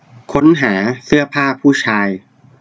ค้นหาเสื้อผ้าผู้ชาย